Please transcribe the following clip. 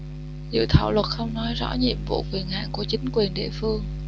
dự thảo luật không nói rõ nhiệm vụ quyền hạn của chính quyền địa phương